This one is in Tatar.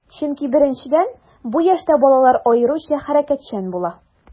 Чөнки, беренчедән, бу яшьтә балалар аеруча хәрәкәтчән була.